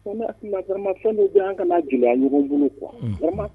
Ma fɛn dɔ bɛ an ka'a joli ɲɔgɔn bolo kuwa